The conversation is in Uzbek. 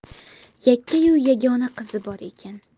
yakkayu yagona qizi bor ekan